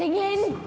nhanh lên